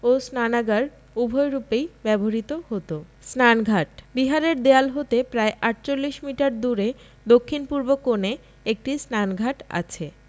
ও স্নানাগার উভয় রূপেই ব্যবহূত হতো স্নানঘাটঃ বিহারের দেয়াল হতে প্রায় ৪৮ মিটার দূরে দক্ষিণ পূর্ব কোণে একটি স্নানঘাট আছে